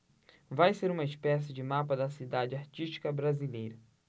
vai ser uma espécie de mapa da cidade artística brasileira